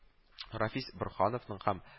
Рафис Борһановның һәм